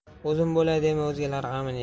o'zim bo'lay dema o'zgalar g'amini ye